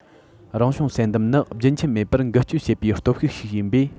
རང བྱུང བསལ འདེམས ནི རྒྱུན ཆད མེད པར འགུལ སྐྱོད བྱེད པའི སྟོབས ཤུགས ཤིག ཡིན པས